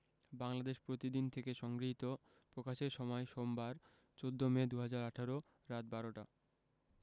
বাংলাদেশ প্রতিদিন থেলে সংগৃহীত প্রকাশের সময় সোমবার ১৪ মে ২০১৮ রাত ১২টা